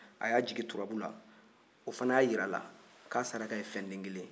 a y'a jigin turabu la o fana y'a jira a la k'a saraka ye fɛn den kelen